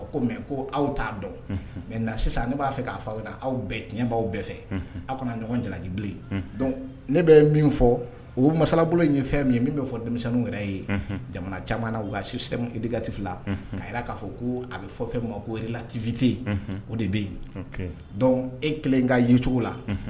Ko mɛ ko aw t'a dɔn mɛ na sisan ne b'a fɛ k'a fa aw aw bɛɛ tiɲɛbaw bɛɛ fɛ aw kana ɲɔgɔn jalaki bilen ne bɛ ye min fɔ o masalabolo in ye fɛn min ye min bɛ fɔ denmisɛnnin yɛrɛ ye jamana caman na' sɛbɛnditi fila ka jira k'a fɔ ko a bɛ fɔ fɛ ma kolati vte yen o de bɛ yen dɔnku e kelen in ka yecogo la